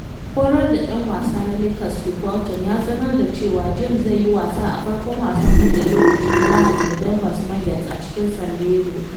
Mai horar da ‘yan wasa na Lakers Luke Walton ya sanar da cewa James zai yi wasa a farkon wasan bude lokaci na Lahdi da Denver Nuggets a cikin San Diego.